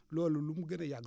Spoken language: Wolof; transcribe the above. loolu lu mu gën a yàgg